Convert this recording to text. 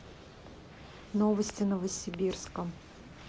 новости новосибирска